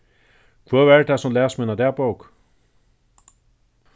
hvør var tað sum las mína dagbók